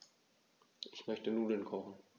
Ich möchte Nudeln kochen.